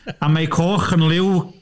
A mae coch yn liw...